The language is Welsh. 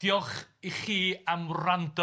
Diolch i chi am wrando.